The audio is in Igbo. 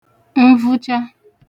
nvụcha